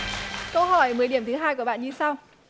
câu hỏi mười điểm thứ hai của bạn như sau